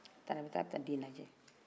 a taara ka bɛ taa den lajɛ